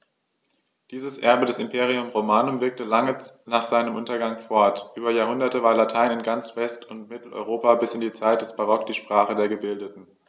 Dieses Erbe des Imperium Romanum wirkte lange nach seinem Untergang fort: Über Jahrhunderte war Latein in ganz West- und Mitteleuropa bis in die Zeit des Barock die Sprache der Gebildeten.